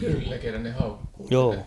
kyllä kerran ne haukkui niitä